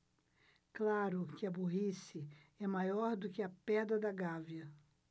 claro que a burrice é maior do que a pedra da gávea